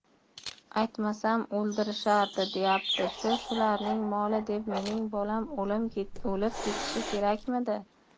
aytmasam o'ldirishardi deyapti ku shularning moli deb mening bolam o'lib ketishi kerakmidi